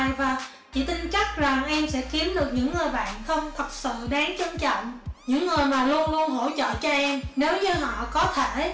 và chị tin chắc là em sẽ kím được những người bạn thân thật sự đáng trân trọng những người mà luôn hỗ trợ cho em nếu như họ có thể